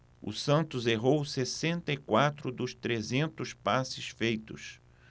o santos errou sessenta e quatro dos trezentos passes feitos